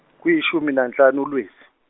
kuyishumi nanhlanu uLwezi.